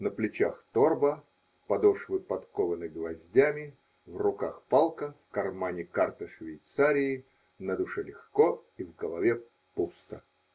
На плечах торба, подошвы подкованы гвоздями, в руках палка, в кармане карта Швейцарии, на душе легко и в голове пусто.